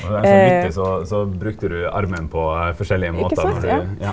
og det her sånn midt i så så brukte du armen på forskjellige måtar når du ja.